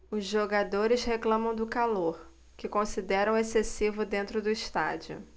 os jogadores reclamam do calor que consideram excessivo dentro do estádio